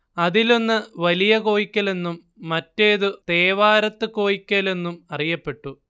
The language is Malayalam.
അതിലൊന്ന് വലിയ കോയിക്കലെന്നും മറ്റേതു തേവാരത്തു കോയിക്കലെന്നും അറിയപ്പെട്ടു